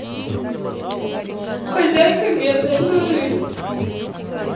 хозяйка медной горы